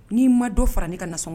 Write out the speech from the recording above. N'i ma dɔ fara' i ka nasɔn